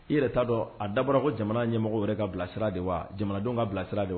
I yɛrɛ t'a dɔn a dabɔ ko jamana ɲɛmɔgɔ wɛrɛ ka bilasira de wa jamanadenw ka bilasira de